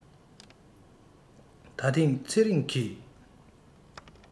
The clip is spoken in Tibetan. ད ཐེངས ཚེ རིང གིས